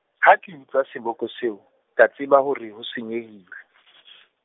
ha ke utlwa seboko seo, ka tseba hore ho senyehile .